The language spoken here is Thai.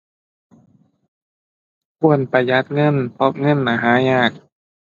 ควรประหยัดเงิน เพราะเงินน่ะหายาก